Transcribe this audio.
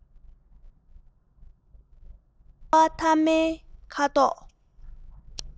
བསྐལ བ མཐའ མའི ཁ དོག